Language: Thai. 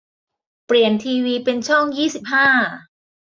เปลี่ยนทีวีเป็นช่องยี่สิบห้า